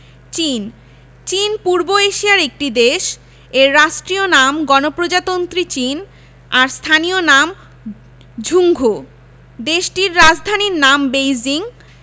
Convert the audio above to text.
চীনঃ চীন পূর্ব এশিয়ার একটি দেশ এর রাষ্ট্রীয় নাম গণপ্রজাতন্ত্রী চীন আর স্থানীয় নাম ঝুংঘু দেশটির রাজধানীর নাম বেইজিং